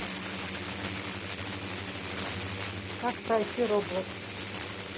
как пройти роблокс